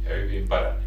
ja hyvin parani